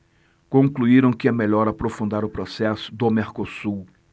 concluíram que é melhor aprofundar o processo do mercosul